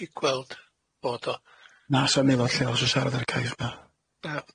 Dwi'm gyllu gweld bod o. Na, sa'm aelod lleol isho sharad ar y cais 'ma.